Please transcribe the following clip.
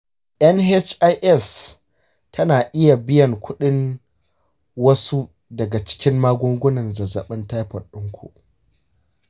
nhis tana iya biyan kuɗin wasu daga cikin magungunan zazzabin taifot ɗinku.